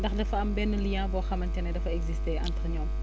ndax dafa am benn lien boo xamante ne dafa existé entre ñoom